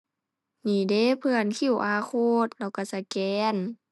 นี่เด้เพื่อน QR code แล้วก็สแกน